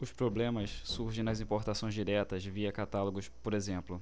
os problemas surgem nas importações diretas via catálogos por exemplo